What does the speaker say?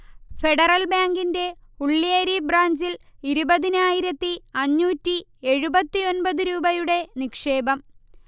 federal ബാങ്കിൻെറ ഉള്ള്യേരി ബ്രാഞ്ചിൽ ഇരുപതിനായിരത്തി അഞ്ഞൂറ്റി എഴുപത്തിയൊൻപത് രൂപയുടെ നിക്ഷേപം